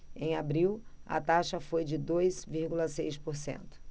em abril a taxa foi de dois vírgula seis por cento